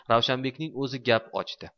ravshanbekning o'zi gap ochdi